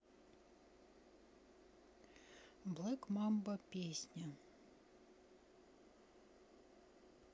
black mamba песня